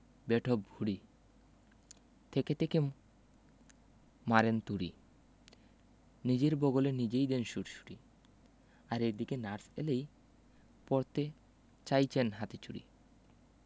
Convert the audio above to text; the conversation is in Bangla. বেঢপ ভূঁড়ি থেকে থেকে মারেন তুড়ি নিজের বগলে নিজেই দিচ্ছেন সুড়সুড়ি আর এদিকে নার্স এলেই পরতে চাইছেন হাতে চুড়ি